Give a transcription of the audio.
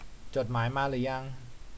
จดหมายมาหรือยัง